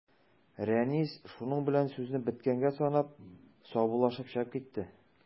Рәнис, шуның белән сүзне беткәнгә санап, саубуллашып чыгып китте.